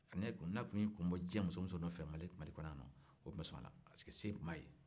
n'a tun y'i kun bɔ muso-muso nɔfɛ mali kɔnɔ yan no o tun bɛ son a la parce que se tun b'a ye